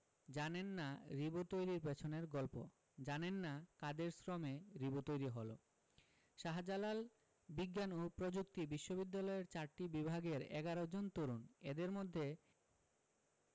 জানেন না রিবো তৈরির পেছনের গল্প জানেন না কাদের শ্রমে রিবো তৈরি হলো শাহজালাল বিজ্ঞান ও প্রযুক্তি বিশ্ববিদ্যালয়ের চারটি বিভাগের ১১ জন তরুণ এদের মধ্যে